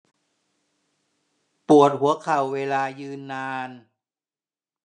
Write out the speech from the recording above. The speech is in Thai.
ปวดหัวเข่าเวลายืนนาน